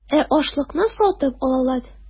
Ә ашлыкны сатып алалар.